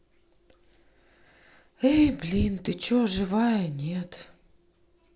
эй блин ты че живая нет